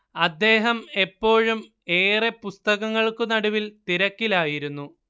അദ്ദേഹം എപ്പോഴും ഏറെ പുസ്തകങ്ങൾക്കു നടുവിൽ തിരക്കിലായിരുന്നു